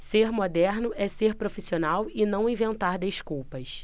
ser moderno é ser profissional e não inventar desculpas